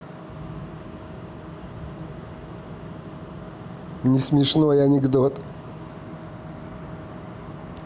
не смешной анекдот